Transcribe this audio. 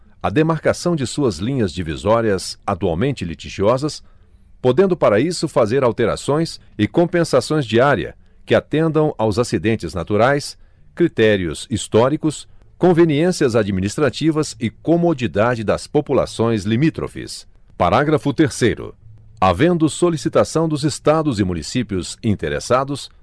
a demarcação de suas linhas divisórias atualmente litigiosas podendo para isso fazer alterações e compensações de área que atendam aos acidentes naturais critérios históricos conveniências administrativas e comodidade das populações limítrofes parágrafo terceiro havendo solicitação dos estados e municípios interessados